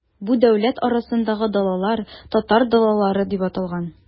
Бу дәүләт арасындагы далалар, татар далалары дип аталган.